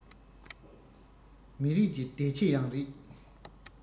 མི རིགས ཀྱི བདེ སྐྱིད ཡང རེད